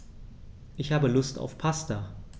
Ich habe Lust auf Pasta.